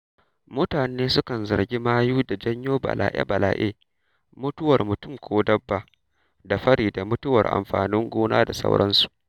Mutane su kan zargi mayun da janyo bala'e-bala'e: mutuwar mutum ko dabba da fari da mutuwar amfanin gona da sauransu.